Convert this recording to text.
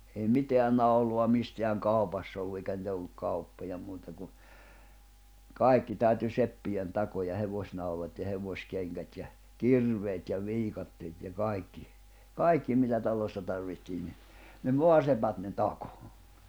ei mitään naulaa mistään kaupassa ollut eikä niitä ollut kauppoja muuta kuin kaikki täytyi seppien takoa hevosnaulat ja hevoskengät ja kirveet ja viikatteet ja kaikki kaikki mitä talossa tarvitsee niin ne sepät ne takoi